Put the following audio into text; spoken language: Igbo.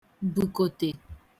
bùkòtè